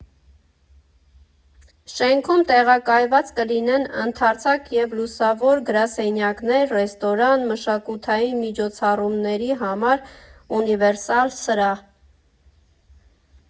Շենքում տեղակաված կլինեն ընդարձակ և լուսավոր գրասենյակներ, ռեստորան, մշակութային միջոցառումների համար ունիվերսալ սրահ։